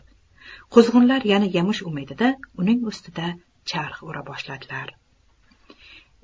quzg'unlar yana yemish umidida uning ustida charx ura boshladilar